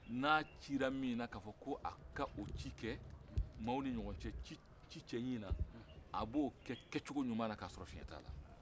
n'a cila min na k'a fɔ a ka o ci kɛ maaw ni ɲɔgɔn cɛ ci cɛɲi na a b'o kɛ kɛcogo ɲuma na k'a sɔrɔ fiɲɛ t'a la